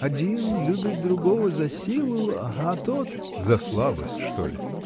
Один любит другого за силу, а тот. — За слабость, что ли?